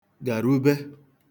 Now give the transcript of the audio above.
gàrube